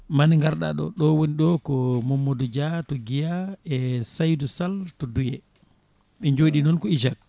maande garɗa ɗo ɗo woni ɗo ko Mamadou Dia to Guiya e Saydou Sall Douyye ɓe jooɗi noon ko IJAK